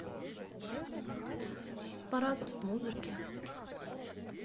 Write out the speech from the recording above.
хит парад музыки